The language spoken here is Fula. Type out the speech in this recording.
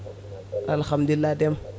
alahamdulilah Déme